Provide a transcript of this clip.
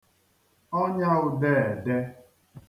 ọnyà ùdeède